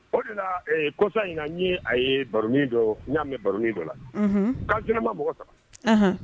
O de la kosa in na n y'a ye baronn dɔ, n y'a mɛn baronin dɔ la, unhun, kansinamamɔgɔ saba, ɔnhɔn.